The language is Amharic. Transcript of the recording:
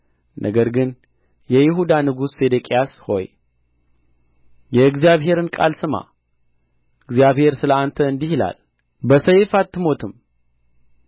ነገር ግን የይሁዳ ንጉሥ ሴዴቅያስ ሆይ የእግዚአብሔርን ቃል ስማ እግዚአብሔር ስለ አንተ እንዲህ ይላል በሰይፍ አትሞትም